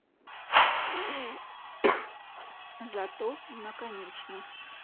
зато на конечно